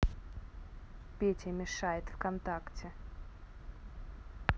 петя мешает вконтакте